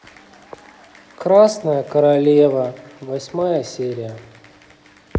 красная королева восьмая серия